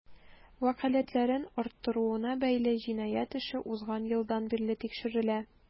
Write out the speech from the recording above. Вәкаләтләрен арттыруына бәйле җинаять эше узган елдан бирле тикшерелә.